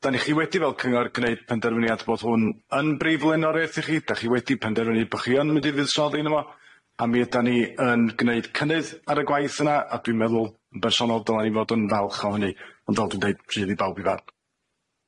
Dan i chi wedi fel cyngor gneud penderfyniad bod hwn yn brif lenoreth i chi, 'dach chi wedi penderfynu bo' chi yn mynd i fuddsoddi yno, fo a mi ydan ni yn gneud cynnydd ar y gwaith yna a dwi'n meddwl yn bersonol dylan ni fod yn falch o hynny, ond fel dwi'n deud rhydd i bawb i'w farn.